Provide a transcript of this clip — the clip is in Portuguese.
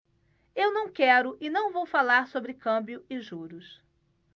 eu não quero e não vou falar sobre câmbio e juros